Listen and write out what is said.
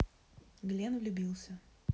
глент влюбился